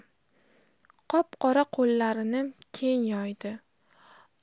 qop qora qo'llarini keng yoydi